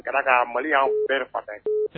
Ga mali y'an bɛɛ faga